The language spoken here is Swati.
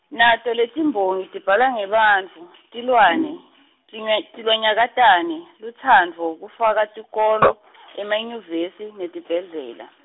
nato letiMbongi tibhala ngebantfu , tilwane, tinge- tilwanyakatane, lutsandvo kufaka tikolo , emanyuvesi netibhedlela.